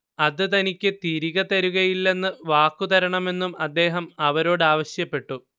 അത് തനിക്കു തിരികെ തരുകയില്ലെന്ന് വാക്കുതരണമെന്നും അദ്ദേഹം അവരോടാവശ്യപ്പെട്ടു